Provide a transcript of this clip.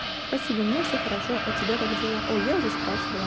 спасибо у меня все хорошо у тебя как дела ой я уже спрашивала